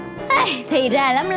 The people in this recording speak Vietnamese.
hây thì ra là lấm